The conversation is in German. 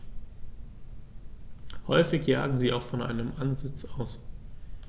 Häufig jagen sie auch von einem Ansitz aus.